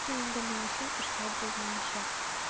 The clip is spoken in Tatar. Ләкин инде монысын эшләп булмаячак.